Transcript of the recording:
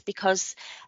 because